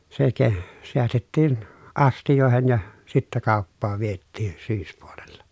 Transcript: se - säästettiin astioihin ja sitten kauppaan vietiin syyspuolella